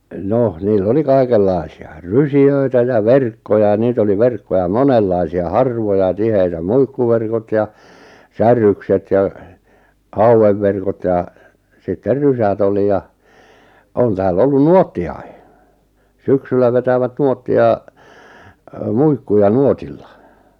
no niillä oli kaikenlaisia rysiä ja verkkoja ja niitä oli verkkoja monenlaisia harvoja tiheitä muikkuverkot ja säärykset ja haukiverkot ja sitten rysät oli ja on täällä ollut nuottiakin syksyllä vetävät nuottia - muikkuja nuotilla